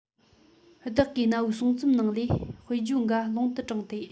བདག གིས གནའ བོའི གསུང རྩོམ ནང ལས དཔེར བརྗོད འགའ ལུང དུ དྲངས ཏེ